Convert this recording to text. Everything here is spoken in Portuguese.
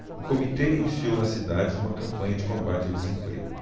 o comitê iniciou na cidade uma campanha de combate ao desemprego